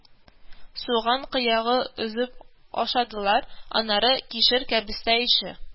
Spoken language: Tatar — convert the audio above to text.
Суган кыягы өзеп ашадылар, аннары кишер-кәбестә ише